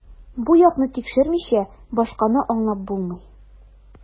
Бу якны тикшермичә, башканы аңлап булмый.